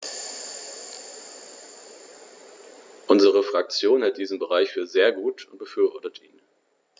Unsere Fraktion hält diesen Bericht für sehr gut und befürwortet ihn.